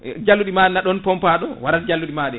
e jalluɗi ma ne ɗon pompa ɗum waarat jaaluɗi ma ɗi